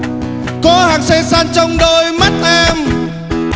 có sê san trong đôi mắt em